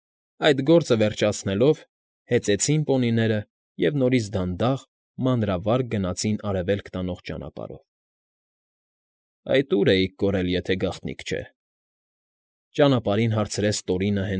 Այս գործը վերջացնելով, հեծան պոնիները և նորից դանդաղ, մանրավարգ գնացին արևելք տանող ճանապարհով։ ֊ Այդ ո՞ւր էիք կորել, եթե գաղտնիք չէ,֊ ճանապարհին հարցրեց Տորինը։